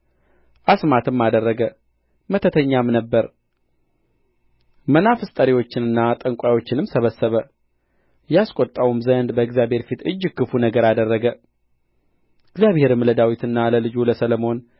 አስማትም አደረገ መተተኛም ነበረ መናፍስት ጠሪዎችንና ጠንቋዮችንም ሰበሰበ ያስቈጣውም ዘንድ በእግዚአብሔር ፊት እጅግ ክፉ ነገር አደረገ እግዚአብሔርም ለዳዊትና ለልጁ ለሰሎሞን